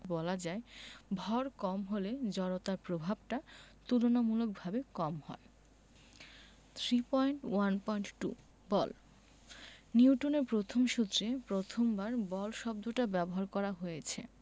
বলা যায় ভর কম হলে জড়তার প্রভাবটা তুলনামূলকভাবে কম হয় 3.1.2 বল নিউটনের প্রথম সূত্রে প্রথমবার বল শব্দটা ব্যবহার করা হয়েছে